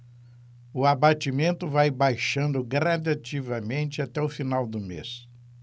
o abatimento vai baixando gradativamente até o final do mês